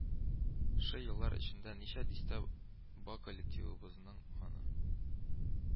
Шы еллар эчендә ничә дистә ба коллективыбызның аның